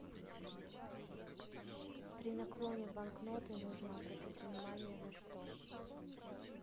при наклоне банкноты нужно обратить внимание на что